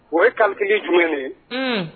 O ye kalitigi jumɛn de ye